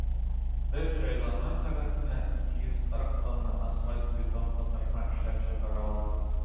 Бер җайланма сәгатенә 240 тонна асфальт–бетон катнашма эшләп чыгара ала.